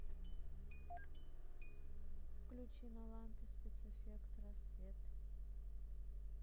включи на лампе спецэффект рассвет